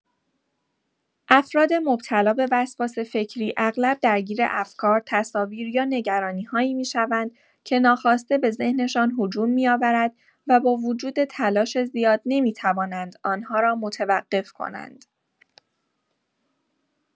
افراد مبتلا به وسواس فکری اغلب درگیر افکار، تصاویر یا نگرانی‌هایی می‌شوند که ناخواسته به ذهنشان هجوم می‌آورد و با وجود تلاش زیاد، نمی‌توانند آن‌ها را متوقف کنند.